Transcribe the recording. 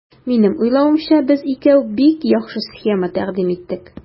Минем уйлавымча, без икәү бик яхшы схема тәкъдим иттек.